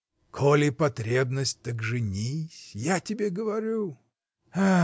— Коли потребность — так женись. я тебе говорю. — Ах!